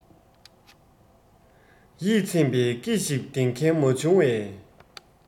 ཡིད ཚིམ པའི ཀི ཞིག འདེབས མཁན མ བྱུང བས